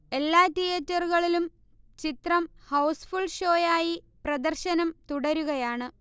എല്ലാ റ്റിയറ്ററുകളിലും ചിത്രം ഹൗസ്ഫുൾ ഷോ ആയി പ്രദർശനം തുടരുകയാണ്